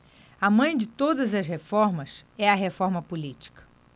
a mãe de todas as reformas é a reforma política